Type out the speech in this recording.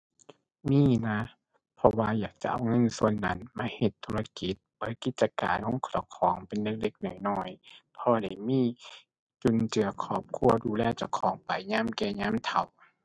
มีนะ เพราะว่าอยากจะเอาเงินส่วนนั้นมาเฮ็ดธุรกิจ เปิดกิจการของเจ้าของเป็นเล็กเล็กน้อยน้อย พอได้มีจุนเจือครอบครัว ดูแลเจ้าของไปยามแก่ยามเฒ่า